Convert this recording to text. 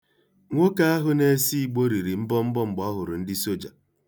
Nwoke ahụ na-ese igbo riri mbọmbọ mgbe ọ hụrụ ndị soja.